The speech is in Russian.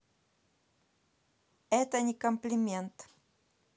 это не комплимент